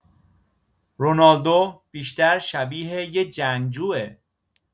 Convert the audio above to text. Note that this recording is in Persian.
رونالدو بیشتر شبیه یه جنگجوعه.